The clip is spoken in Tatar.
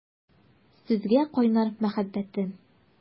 Сезгә кайнар мәхәббәтем!